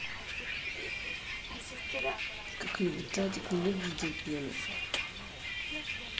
как любит адик ненавидел пена